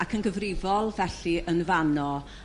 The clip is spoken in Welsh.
Ac yn gyfrifol felly yn fanno